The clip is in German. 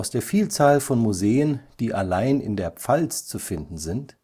der Vielzahl von Museen, die allein in der Pfalz zu finden sind